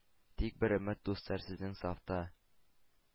Тик бер өмит, дуслар: сезнең сафта